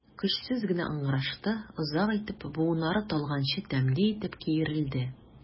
Көчсез генә ыңгырашты, озак итеп, буыннары талганчы тәмле итеп киерелде.